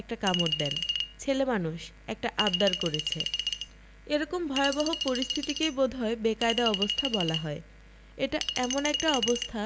একটা কামড় দেন ছেলে মানুষ একটা আব্দার করছে এরকম ভয়াবহ পরিস্থিতিকেই বোধ হয় বেকায়দা অবস্থা বলা হয় এটা এমন একটা অবস্থা